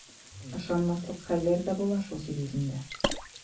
Ышанмаслык хәлләр дә була шул җир йөзендә.